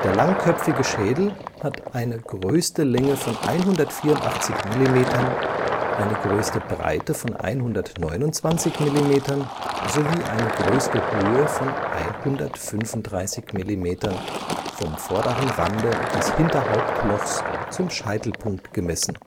langköpfige Schädel hat eine größte Länge von 184 mm, eine größte Breite von 129 mm sowie eine größte Höhe von 135 mm (vom vorderen Rande des Hinterhauptlochs zum Scheitelpunkt gemessen